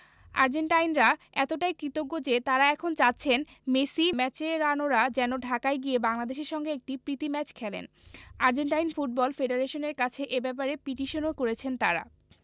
আর্জেন্টাইনরা এতটাই কৃতজ্ঞ যে তাঁরা এখন চাচ্ছেন মেসি মাচেরানোরা যেন ঢাকায় গিয়ে বাংলাদেশের সঙ্গে একটি প্রীতি ম্যাচ খেলেন আর্জেন্টাইন ফুটবল ফেডারেশনের কাছে এ ব্যাপারে পিটিশনও করেছেন তাঁরা